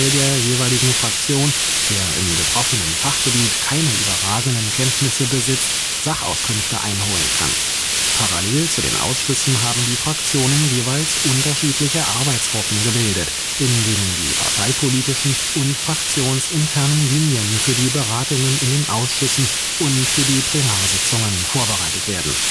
der jeweiligen Fraktion, der im betroffenen Fachgebiet keine überragenden Kenntnisse besitzt, Sachauskünfte einholen kann. Parallel zu den Ausschüssen haben die Fraktionen jeweils unterschiedliche Arbeitsgruppen gebildet, in denen die parteipolitischen und fraktionsinternen Linien für die Beratungen in den Ausschüssen und für die Plenarsitzungen vorbereitet werden